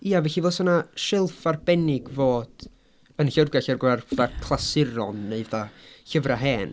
Ia, felly ddylsa 'na silff arbennig fod yn llyfrgell ar gyfer fatha clasuron neu fatha llyfrau hen?